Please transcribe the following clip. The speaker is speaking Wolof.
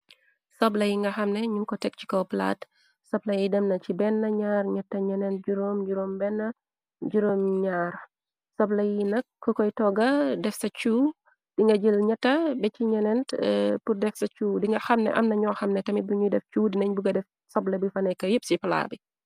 Tabla yi nga xamne ñum ko teg ci kow plaate sabla yi dem na ci ben ñyarr ñyeti ñyeenenti 5 7 tabla yi na ko koy togga def sa cuw di nga jël ñëta beci ñeneen pur def sa cu di nga xamne amna ñoo xamne tamit buñuy def cu di nañ bu ga def sabla bi faneka yépp ci plaa yi.